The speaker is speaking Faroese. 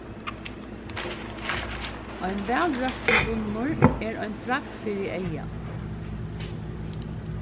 ein væl røktur runnur er ein fragd fyri eygað